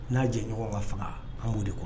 N'a jɛ ɲɔgɔn ka faga h b de kɔnɔ